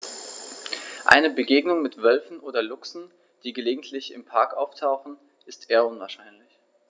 Eine Begegnung mit Wölfen oder Luchsen, die gelegentlich im Park auftauchen, ist eher unwahrscheinlich.